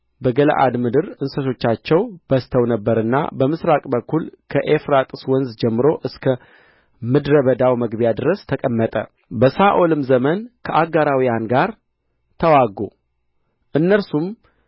በገለዓድ ምድር እንስሶቻቸው በዝተው ነበርና በምሥራቅ በኩል ከኤፍራጥስ ወንዝ ጀምሮ እስከ ምድረ በዳው መግቢያ ድረስ ተቀመጠ በሳኦልም ዘመን ከአጋራውያን ጋር ተዋጉ እነርሱም